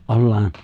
ollaan